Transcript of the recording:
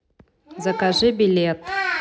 закажи билет